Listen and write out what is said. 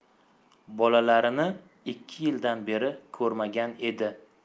bolalarini ikki yildan beri ko'rmagan edi